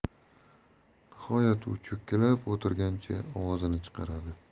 nihoyat u cho'kkalab o'tirgancha ovozini chiqaradi